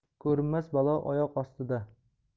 ko'rinmas balo oyoq ostida